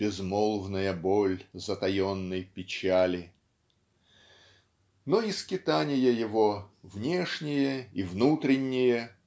безмолвная боль затаенной печали". Но и скитания его внешние и внутренние